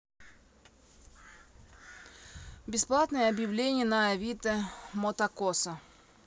бесплатные объявления на авито мотокоса